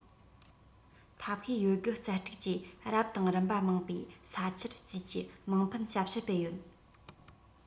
ཐབས ཤེས ཡོད རྒུ རྩལ སྤྲུགས ཀྱིས རབ དང རིམ པ མང བའི ས ཆར བརྩིས ཀྱི དམངས ཕན ཞབས ཞུ སྤེལ ཡོད